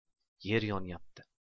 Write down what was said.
yer yonayapti